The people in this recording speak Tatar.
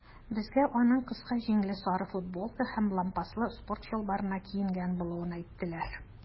Безгә аның кыска җиңле сары футболка һәм лампаслы спорт чалбарына киенгән булуын әйттеләр.